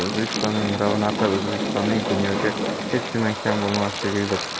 o'zbekistonning ravnaqi o'zbekistonning dunyoda hech kimdan kam bo'lmasligidir